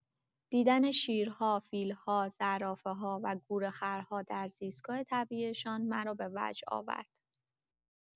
دیدن شیرها، فیل‌ها، زرافه‌ها و گورخرها در زیستگاه طبیعی‌شان، مرا به وجد آورد.